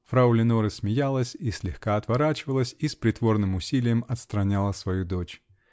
Фрау Леноре смеялась, и слегка отворачивалась, и с притворным усилием отстраняла свою дочь.